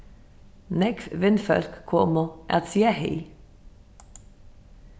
nógv vinfólk komu at siga hey